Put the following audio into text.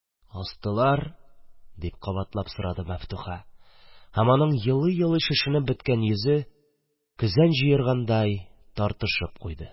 – астылар?! – дип кабатлап сорады мәфтуха һәм аның елый-елый шешенеп беткән йөзе көзән җыергандай тартышып куйды.